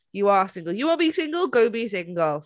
You are single. You want to be single? Go be single.